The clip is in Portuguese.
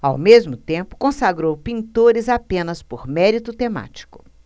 ao mesmo tempo consagrou pintores apenas por mérito temático